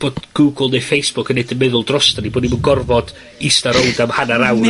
bod Google neu Facebook yn neud yn meddwl droston ni, bod ni'm yn gorfod ista... ...rownd am hanner awr...